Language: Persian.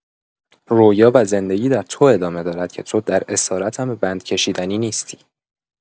رویا و زندگی در تو ادامه دارد که تو در اسارت هم به بند کشیدنی نیستی.